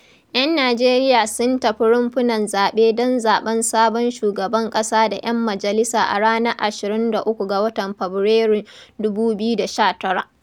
Yan Nijeriya sun tafi rumfunan zaɓe don zaɓen sabon shugaban ƙasa da 'yan majalisa a ranar 23 ga watan Fabrairun 2019.